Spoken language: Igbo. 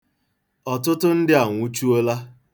Ọtụtụ ndị anwụchuola.